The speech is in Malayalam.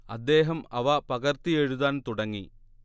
അദ്ദേഹം അവ പകർത്തി എഴുതാൻ തുടങ്ങി